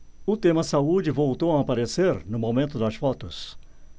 o tema saúde voltou a aparecer no momento das fotos